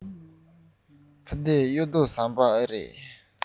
ཕ གི གཡུ ཐོག ཟམ པ རེད པས